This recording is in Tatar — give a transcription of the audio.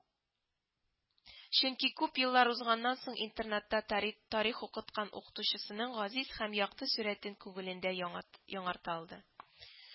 Чөнки күп еллар узганнан соң интернатта тарит тарих укыткан укытучысының газиз һәм якты сурәтен күңелендә яңарт яңарта алды